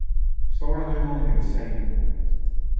stóra dímun hevur seyð